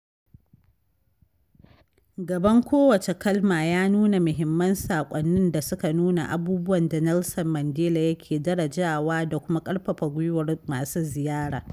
Gaban kowace kalma ya nuna muhimman saƙonnin da suka nuna abubuwan da Nelson Mandela yake darajawa da kuma ƙarfafa gwiwar masu ziyara.